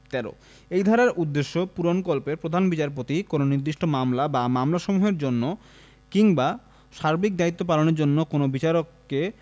১৩ এই ধারার উদ্দেশ্য পূরণকল্পে প্রধান বিচারপতি কোন নির্দিষ্ট মামলা বা মামলাসমূহের জন্য কিংবা সার্বিক দায়িত্ব পালনের জন্য কোন বিচারককে